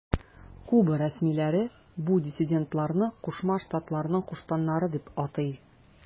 Куба рәсмиләре бу диссидентларны Кушма Штатларның куштаннары дип атый.